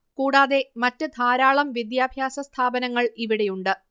കൂടാതെ മറ്റ് ധാരാളം വിദ്യാഭ്യാസ സ്ഥാപനങ്ങള് ഇവിടെയുണ്ട്